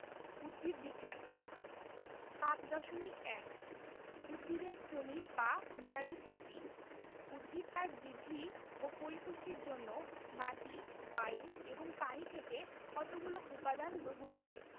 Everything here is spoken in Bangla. ১৮ উদ্ভিদ বিজ্ঞান ৫.১ উদ্ভিদের খনিজ বা মিনারেল পুষ্টি উদ্ভিদ তার বৃদ্ধি ও পরিপুষ্টির জন্য মাটি বায়ু এবং পানি থেকে কতগুলো উপদান গ্রহণ করে